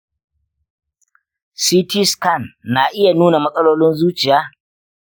ct scan na iya nuna matsalolin zuciya?